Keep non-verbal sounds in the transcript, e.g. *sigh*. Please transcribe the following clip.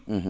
*hesitation* *hesitation*